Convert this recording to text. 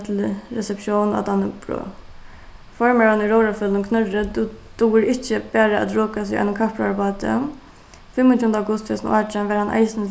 til reseptión á dannebrog formaðurin í róðrarfelagnum knørri dugir ikki bara at rokast í einum kappróðrarbáti fimmogtjúgunda august tvey túsund og átjan var hann eisini